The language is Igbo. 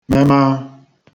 mema